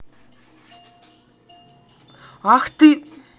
ах ты